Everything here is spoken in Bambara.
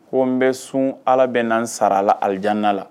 Ko n bɛ sun ala bɛ n na sara la alid la